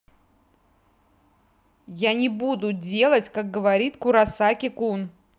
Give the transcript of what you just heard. я не буду делать как говорит куросаки кун